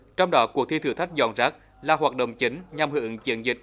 trong đó cuộc thi thử thách dọn rác là hoạt động chính nhằm hưởng ứng chiến dịch